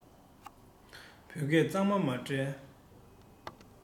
བོད སྐད གཙང མ མ བྲལ